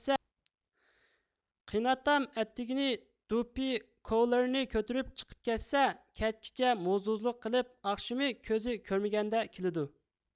قېيناتام ئەتىگىنى دۇپپى كوۋلىرىنى كۆتۈرۈپ چىقىپ كەتسە كەچكىچە موزدوزلۇق قىلىپ ئاخشىمى كۆزى كۆرمىگەندە كېلىدۇ